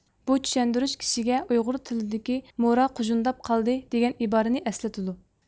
بۇ چۈشەندۈرۈش كىشىگە ئۇيغۇر تىلىدىكى مورا قۇژۇنداپ قالدى دېگەن ئىبارىنى ئەسلىتىدۇ